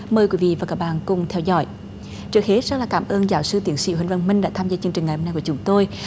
mời quý vị và các bạn cùng theo dõi trước hết rất là cảm ơn giáo sư tiến sĩ huỳnh văn minh đã tham gia chương trình ngày hôm nay của chúng tôi